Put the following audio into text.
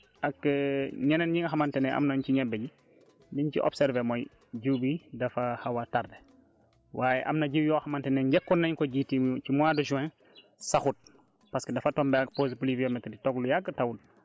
loolu moo tax nag même dugub ISRA bi ak gerte gi ak ñeneen ñi nga xamante ne am nañ ci ñebe ji li ñu ci observer mooy jiw bi dafa xaw a tardé waaye am na jiw yoo xamante ne njëkkoon nañ ko ji ci ci mois de juin saxut